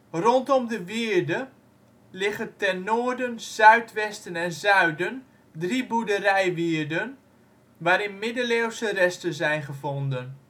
Rondom de wierde liggen ten noorden, zuidwesten en zuiden drie boerderijwierden, waarin middeleeuwse resten zijn gevonden